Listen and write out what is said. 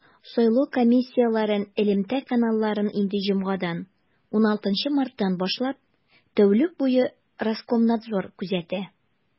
Сайлау комиссияләрен элемтә каналларын инде җомгадан, 16 марттан башлап, тәүлек буе Роскомнадзор күзәтә.